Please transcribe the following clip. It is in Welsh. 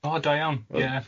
O da iawn, ie.